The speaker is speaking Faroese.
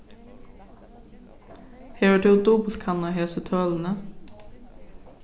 hevur tú dupultkannað hesi tølini